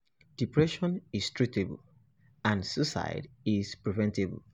Depression is treatable and suicide is preventable.